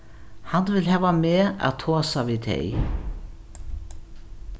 hann vil hava meg at tosa við tey